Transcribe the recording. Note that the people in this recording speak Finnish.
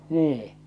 niin